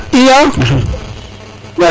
iyo